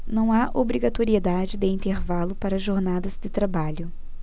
não há obrigatoriedade de intervalo para jornadas de trabalho